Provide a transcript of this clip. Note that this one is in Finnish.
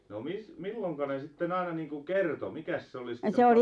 no - milloin ne sitten aina niin kuin kertoi mikäs se oli sitten se